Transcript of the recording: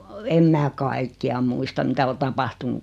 en minä kaikkia muista mitä on tapahtunut